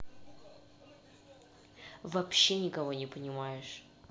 вообще никого не понимаешь